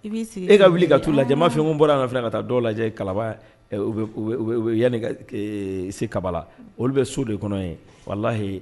I b'i sigi e ka wuli ka t'u lajɛ n m'ɔ n o n bɔra yan fana ka taa dɔw lajɛ Kalaban yan u bɛ yani ka se Kabala la olu bɛ so de kɔnɔ yen walahi